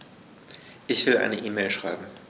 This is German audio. Ich will eine E-Mail schreiben.